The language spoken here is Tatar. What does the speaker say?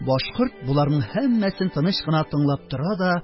Башкорт боларның һәммәсен тыныч кына тыңлап тора да,